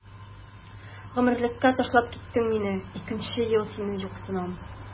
Гомерлеккә ташлап киттең мине, икенче ел сине юксынам.